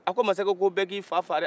a ko masakɛ ko bɛɛ k'i fa faga dɛɛ